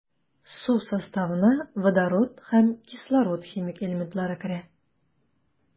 Су составына водород һәм кислород химик элементлары керә.